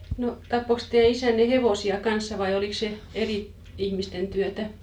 no tappoikos teidän isänne hevosia kanssa vai olikos se eri ihmisten työtä